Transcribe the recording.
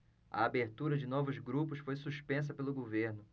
a abertura de novos grupos foi suspensa pelo governo